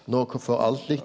nå får alt likt.